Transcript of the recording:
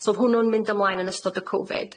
So o'dd hwnnw'n mynd ymlaen yn ystod y Covid.